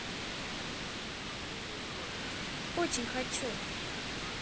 очень хочу